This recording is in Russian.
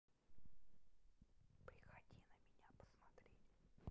приходи на меня посмотреть